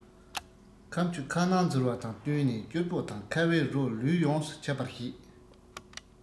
ཁམ ཆུ ཁ ནང འཛུལ བ དང བསྟུན ནས སྐྱུར པོ དང ཁ བའི རོ ལུས ཡོངས སུ ཁྱབ པར བྱེད